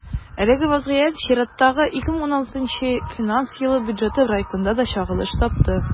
Әлеге вазгыять чираттагы, 2016 финанс елы бюджеты проектында да чагылыш тапты.